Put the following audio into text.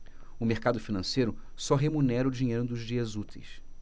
o mercado financeiro só remunera o dinheiro nos dias úteis